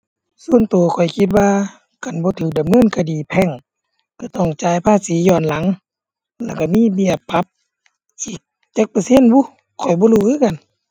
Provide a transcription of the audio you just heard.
อาจสิธนาคาร ธ.ก.ส. เกษตรกร เกษตรกรรม